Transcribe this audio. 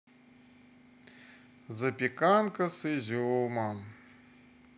запеканка с изюмом